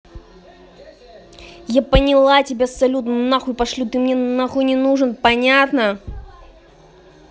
я поняла тебя салют нахуй пошлю ты мне нахуй не нужен понятно